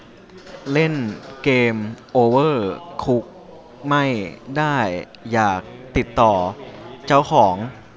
เล่นเกมโอเวอร์คุกไม่ได้อยากติดต่อเจ้าของ